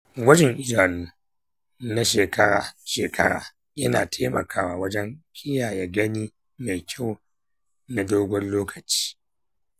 gwajin idanu na shekara-shekara yana taimakawa wajen kiyaye gani mai kyau na dogon lokaci.